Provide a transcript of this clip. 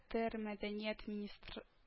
ТээР Мәдәният министр